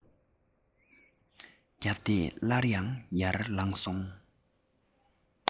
བརྒྱབ སྟེ སླར ཡང ཡར ལངས སོང